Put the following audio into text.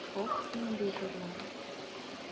Ох, нинди зурлар!